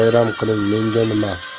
bayram qiling menga nima